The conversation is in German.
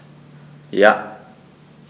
Ja.